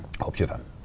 hopp tjuefem.